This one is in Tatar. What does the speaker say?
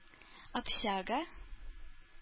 Общага